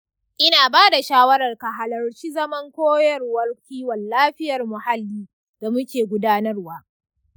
ina ba da shawara ka halarci zaman koyarwar kiwon lafiyar muhalli da muke gudanarwa.